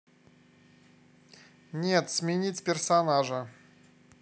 нет сменить персонажа